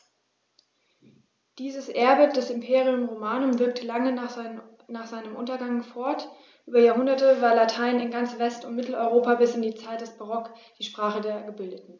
Dieses Erbe des Imperium Romanum wirkte lange nach seinem Untergang fort: Über Jahrhunderte war Latein in ganz West- und Mitteleuropa bis in die Zeit des Barock die Sprache der Gebildeten.